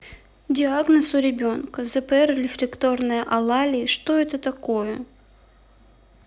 диагноз у ребенка зпр рефлекторная алалии что это такое